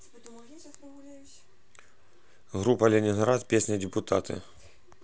группа ленинград песня депутаты